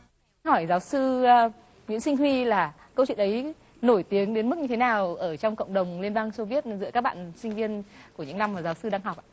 hỏi giáo sư nguyễn sinh huy là câu chuyện ấy nổi tiếng đến mức như thế nào ở trong cộng đồng liên bang xô viết giữa các bạn sinh viên của những năm mà giáo sư đang học